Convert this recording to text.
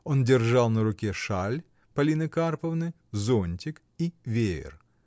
Он держал на руке шаль Полины Карповны, зонтик и веер.